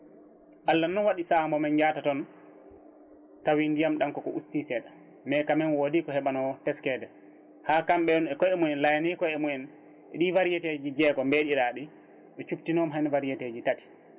Allah noon waɗi saaha momin jahata toon tawi ndiyam ɗam koko usti seeɗa mais quand même waɗi ko heɓano teskede ha kamɓene kpoyemumen layani koyemumen ɗi variété ji jeegom mbeɗiraɗi ɓe cubtinoma hen variété ji tati